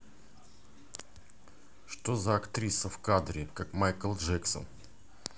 что за актриса в кадре